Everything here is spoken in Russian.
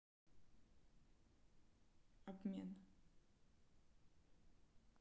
обмен